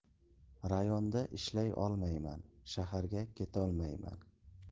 rayonda ishlay olmayman shaharga ketolmayman